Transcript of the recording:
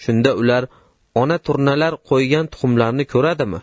shunda ular ona turnalar qo'ygan tuxumlarni ko'radimi